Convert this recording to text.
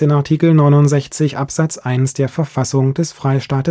Artikel 69 Absatz 1) Der